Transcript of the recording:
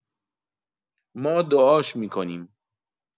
ما دعاش می‌کنیم